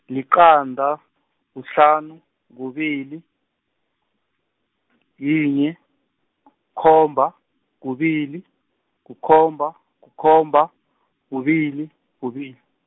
liqanda, kuhlanu, kubili, yinye, khomba, kubili, kukhomba, kukhomba, kubili, kubili.